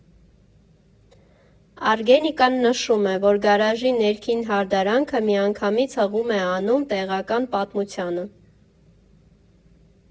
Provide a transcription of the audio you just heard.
Արգենիկան նշում է, որ գարաժի ներքին հարդարանքը միանգամից հղում է անում տեղական պատմությանը։